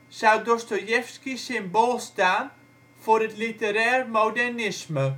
Dostojevski symbool staan voor het literair modernisme